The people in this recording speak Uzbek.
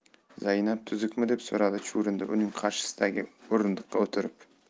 zaynab tuzukmi deb so'radi chuvrindi uning qarshisidagi o'rindiqqa o'tirib